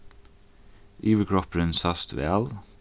yvirkroppurin sæst væl